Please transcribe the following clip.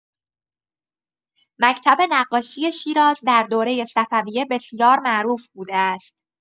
مکتب نقاشی شیراز در دوره صفویه بسیار معروف بوده است.